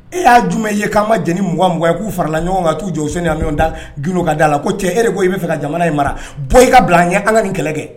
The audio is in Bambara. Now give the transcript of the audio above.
E y'a jumɛn ye k'an ma jɛn ni mugan-mugan ye k'u farala ɲɔgɔn kan ka t'u jɔ Useni da, Useni Amiyɔn ka da la ko cɛ e de ko i b'a fɛ ka jamana in mara bɔ i ka bila an ɲɛ an ka nin kɛlɛ kɛ